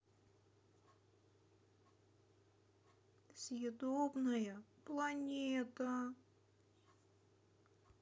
съедобная планета